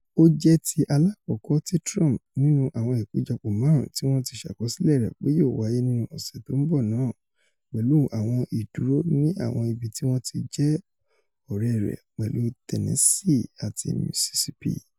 Ó jẹ́ ti aláàkọ́kọ́ ti Trump nínú àwọn ìpéjọpọ̀ máàrún tíwọ́n ti ṣàkọsílẹ̀ rẹ̀ pé yóò wáyé nínú ọ̀sẹ̀ tó ńbọ̀ náà, pẹ̀lú àwọn ìdúró ni àwọn ibití wọn ti jẹ́ ọ̀rẹ́ rẹ́ pẹ̀lú Tennessee àti Mississippi.